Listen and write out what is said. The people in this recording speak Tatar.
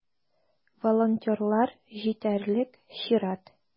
Волонтерлар җитәрлек - чират.